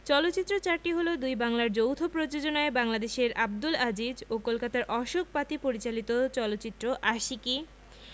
চলচ্চিত্র চারটি হলো দুই বাংলার যৌথ প্রযোজনায় বাংলাদেশের আবদুল আজিজ ও কলকাতার অশোক পাতি পরিচালিত চলচ্চিত্র আশিকী